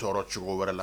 N cogo wɛrɛ la